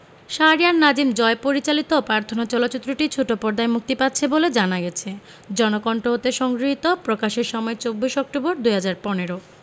শাহরিয়ার নাজিম জয় পরিচালিত পার্থনা চলচ্চিত্রটি ছোট পর্দায় মুক্তি পাচ্ছে বলে জানা গেছে জনকণ্ঠ হতে সংগৃহীত প্রকাশের সময় ২৪ সেপ্টেম্বর ২০১৫